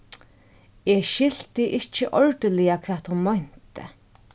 eg skilti ikki ordiliga hvat hon meinti